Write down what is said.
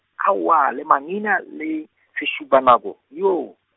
aowa le mangina le, sešupanako, yoo.